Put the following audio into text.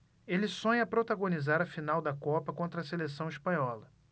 ele sonha protagonizar a final da copa contra a seleção espanhola